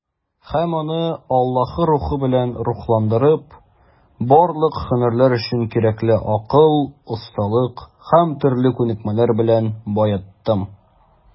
Һәм аны, Аллаһы Рухы белән рухландырып, барлык һөнәрләр өчен кирәкле акыл, осталык һәм төрле күнекмәләр белән баеттым.